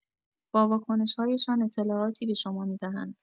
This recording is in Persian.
با واکنش‌هایشان اطلاعاتی به شما می‌دهند.